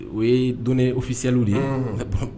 O ye don ofisɛliw de ye ka ban